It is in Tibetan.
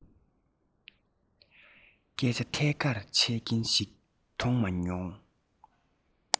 སྐད ཆ ཐད ཀར འཆད མཁན ཞིག མཐོང མ མྱོང